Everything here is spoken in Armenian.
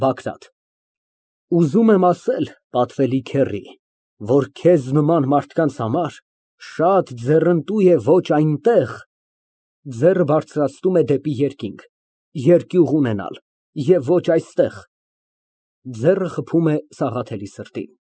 ԲԱԳՐԱՏ ֊ Ուզում եմ ասել, պատվելի քեռի, որ քեզ նման մարդկանց համար շատ ձեռնատու է ոչ այնտեղ (Ձեռքը բարձրացնում է դեպի երկինք) երկյուղ ունենալ և ոչ այստեղ. (Ձեռքը խփում է Սաղաթելի ուսին)։